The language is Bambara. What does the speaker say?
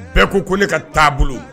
Bɛɛ ko ko ne ka taaboloa bolo